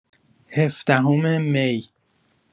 هفدهم می